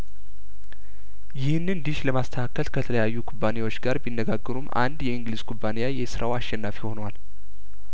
ይህንን ዲሽ ለማስ ተከል ከተለያዩ ኩባንያዎች ጋር ቢነጋገሩም አንድ የእንግሊዝ ኩባንያየስራው አሸናፊ ሆኗል